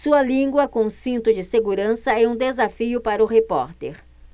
sua língua com cinto de segurança é um desafio para o repórter